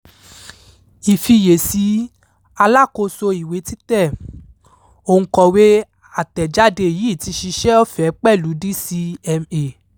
Ìfiyèsí Alákòóso Ìwé Títẹ̀: Òǹkọ̀wé àtẹ́jádé yìí ti ṣiṣẹ́ ọ̀fẹ́ pẹ̀lú DCMA.